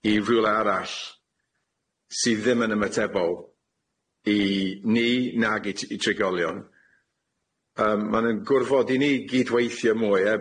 i rywle arall sy ddim yn ymatebol i ni nag i t- i trigolion yym ma' nw'n gwrfod i ni gydweithio mwy e?